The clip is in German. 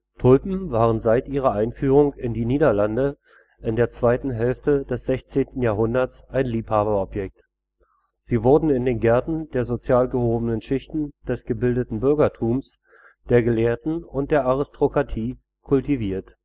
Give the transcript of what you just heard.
Tulpen waren seit ihrer Einführung in die Niederlande in der zweiten Hälfte des 16. Jahrhunderts ein Liebhaberobjekt. Sie wurden in den Gärten der sozial gehobenen Schichten des gebildeten Bürgertums, der Gelehrten und der Aristokratie kultiviert